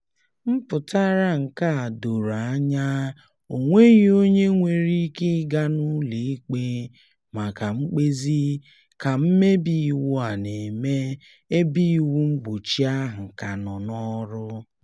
Mpụtara nke a doro anya — o nweghị onye nwere ike ịga n'ụlọ ikpe maka mkpezi ka mmebi iwu a na-eme ebe iwu mgbochi ahụ ka nọ n'ọrụ.